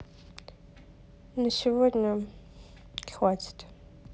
на сегодня хватит